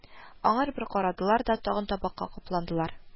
Аңар бер карадылар да, тагын табакка капландылар